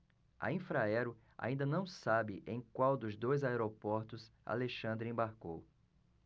a infraero ainda não sabe em qual dos dois aeroportos alexandre embarcou